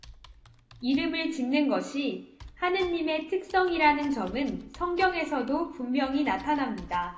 이름을 짓는 것이 하느님의 특성이라는 점은 성경에서도 분명히 나타납니다